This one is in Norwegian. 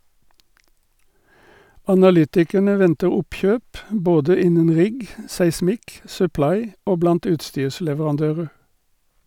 Analytikerne venter oppkjøp både innen rigg , seismikk , supply og blant utstyrsleverandører.